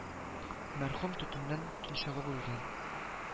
Мәрхүм төтеннән тончыгып үлгән